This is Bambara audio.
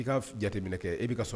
I ka jate minɛ kɛ i so